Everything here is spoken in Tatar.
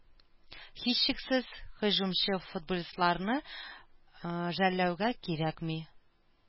Һичшиксез һөҗүмче футболистларны жәллэүгә кирәкми.